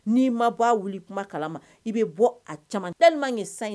N'i ma bɔ a wuli kuma kala ma i bɛ bɔ a caman tan ɲuman ye san ye